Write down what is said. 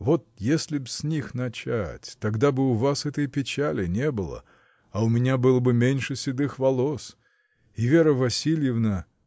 Вот если б с них начать, тогда бы у вас этой печали не было, а у меня было бы меньше седых волос, и Вера Васильевна.